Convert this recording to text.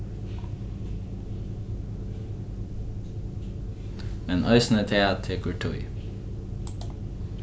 men eisini tað tekur tíð